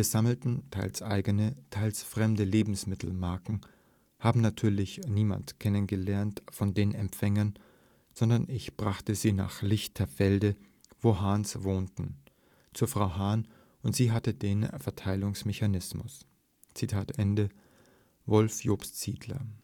sammelten teils eigene, teils fremde Lebensmittelkarten – haben natürlich niemand kennengelernt von den Empfängern – sondern ich brachte die nach Lichterfelde, wo Hahns wohnten, zu Frau Hahn, und sie hatte den Verteilungsmechanismus. “– Wolf Jobst Siedler